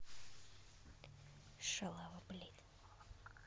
шалава блядь